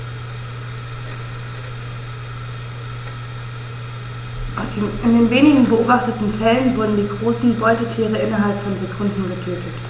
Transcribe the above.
In den wenigen beobachteten Fällen wurden diese großen Beutetiere innerhalb von Sekunden getötet.